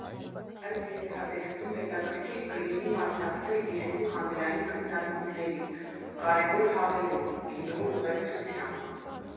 Այս ենթատեքստում հետաքրքիր կլինի մասնակցել երկու հանրային քննարկումների (կարևոր հավելում՝ գինու ուղեկցությամբ).